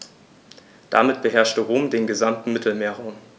Damit beherrschte Rom den gesamten Mittelmeerraum.